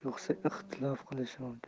yo'qsa iltifot qilishi mumkin